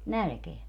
nälkään